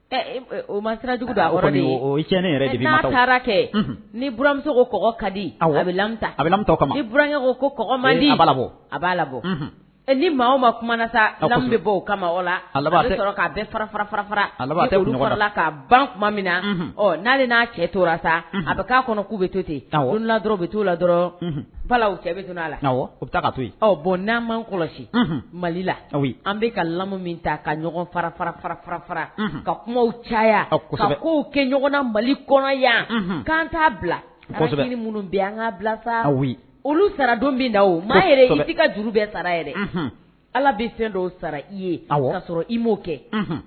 O ma sira jugu da taara kɛ ni buramuso ko kɔɔgɔ ka dimi a b ko komabɔ a b'a labɔ ɛ ni maa ma kumaumana sa ala bɔ kama la' farafara la'a ban tuma min na n'ale n'a cɛ to sa a bɛ'a kɔnɔ k'u bɛ to ten yen olu la dɔrɔn bɛ to la dɔrɔn cɛ bɛ to' la bɛ taa ka to yen bon n'an man kɔlɔsi mali la aw an bɛ ka lammu min ta ka ɲɔgɔn fara fara fara farara ka kuma caya a k' kɛ ɲɔgɔnna mali kɔnɔ yan'an t'a bila minnu bɛ an ka bila sa aw olu sara don min ka juru bɛɛ sara yɛrɛ ala bɛ fɛn dɔw sara i ye sɔrɔ i m'o kɛ